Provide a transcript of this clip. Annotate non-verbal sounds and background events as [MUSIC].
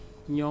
[HESITATION] [HESITATION]